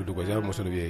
U dugu musosonin bɛ ye